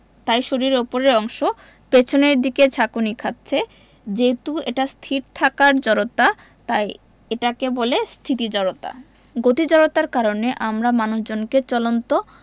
তাই শরীরের ওপরের অংশ পেছনের দিকে ঝাঁকুনি খাচ্ছে যেহেতু এটা স্থির থাকার জড়তা তাই এটাকে বলে স্থিতি জড়তা গতি জড়তার কারণে আমরা মানুষজনকে চলন্ত